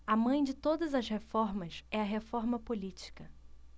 a mãe de todas as reformas é a reforma política